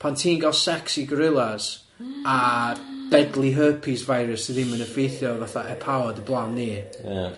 Pan ti'n ga'l sexy gorillas a deadly herpes virus sy ddim yn effeithio fatha epaod heblaw ni. Ie.